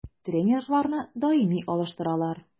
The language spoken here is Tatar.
Тренерларны даими алыштыралар.